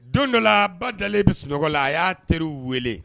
Don dɔ la ba dalen bɛ sunɔgɔ la a y'a teriri weele